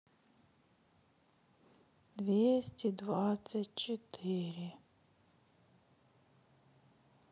двести двадцать четыре